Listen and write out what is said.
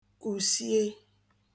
kùsie